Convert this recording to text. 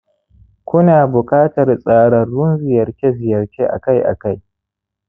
ku na buƙatar tsararrun ziyarce-ziyarce akai-akai